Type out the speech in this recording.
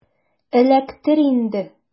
Эләктер инде!